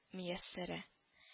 Мияссәрә